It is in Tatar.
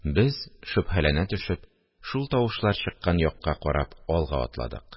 Без, шөбһәләнә төшеп, шул тавышлар чыккан якка карап, алга атладык